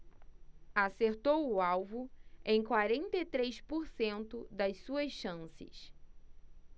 acertou o alvo em quarenta e três por cento das suas chances